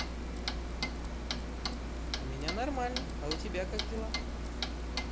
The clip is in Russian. у меня нормально а у тебя как дела